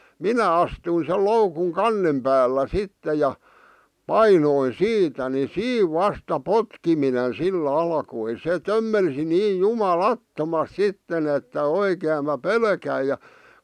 minä astuin sen loukun kannen päällä sitten ja painoin siitä niin siinä vasta potkiminen sillä alkoi se tömmelsi niin jumalattomasti sitten että oikein minä pelkäsin ja